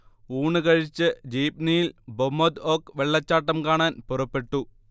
ഊണ് കഴിച്ച് ജീപ്നിയിൽ ബൊമൊദ്-ഒക് വെള്ളച്ചാട്ടം കാണാൻ പുറപ്പെട്ടു